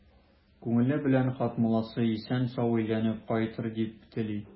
Күңеле белән Хәтмулласы исән-сау әйләнеп кайтыр дип тели.